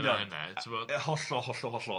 yy hollol hollol hollol.